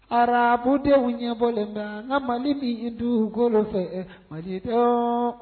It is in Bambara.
Arababu denw ɲɛbɔlen bɛ an nka Mali min duukolo fɛ malidenw